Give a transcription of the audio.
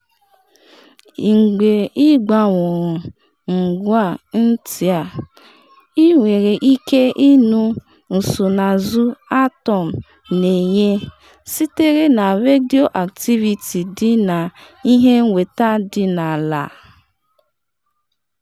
Mgbe ịgbanwuru ngwa nti a, i nwere ike ịnụ nsonazụ atọm na-enye sitere na redioaktiviti dị na ihe nnweta dị n’ala.”